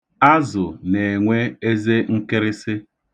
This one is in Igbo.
Azụ na-enwe eze nkịrịsị.